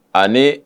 A